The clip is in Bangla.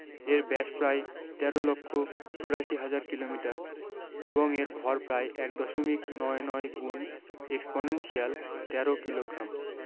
এর ব্যাস প্রায় ১৩ লক্ষ ৮৪ হাজার কিলোমিটার এবং এর ভর প্রায় এক দশমিক নয় নয় এক্সপনেনশিয়াল ১৩ কিলোগ্রাম